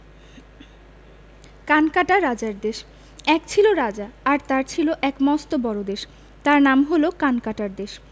কানকাটা রাজার দেশ এক ছিল রাজা আর তার ছিল এক মস্ত বড়ো দেশ তার নাম হল কানকাটার দেশ